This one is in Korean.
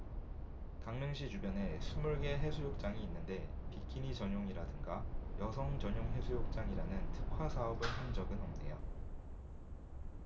강릉시 주변에 스물 개 해수욕장이 있는데 비키니 전용이라든가 여성 전용 해수욕장이라는 특화사업을 한 적은 없네요